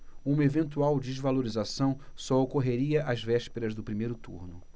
uma eventual desvalorização só ocorreria às vésperas do primeiro turno